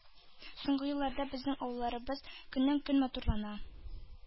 Соңгы елларда безнең авылларыбыз көннән-көн матурлана,